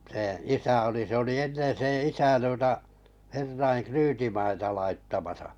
sen isä oli se oli ennen sen isä tuota herrojen ryytimaita laittamassa